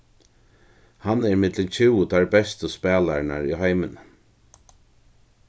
hann er millum tjúgu teir bestu spælararnar í heiminum